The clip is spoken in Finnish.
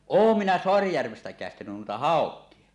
olen minä Saarijärvestä - käestänyt noita haukia